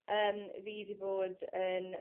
...yn... Fi 'di bod yn